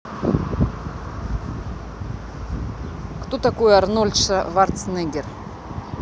кто такой арнольд шварценеггер